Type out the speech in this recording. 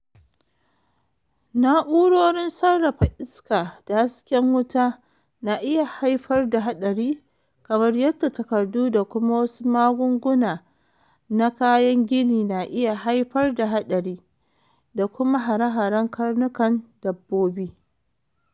Na'urorin sarrafa iska da hasken wuta na iya haifar da haɗari, kamar yadda takardu da kuma wasu magunguna na kayan gini na iya haifar da haɗari, da kuma hare-haren karnukan dabbobi.